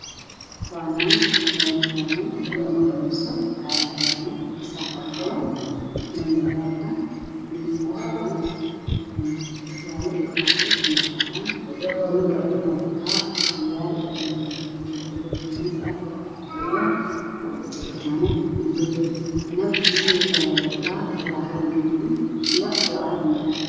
Meeshaan waxaa ka muuqdo islaan cunug kor u hayso iyo caano midabkiisu yahay jaalo iyo cadaan